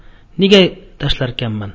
nega tashlarkanman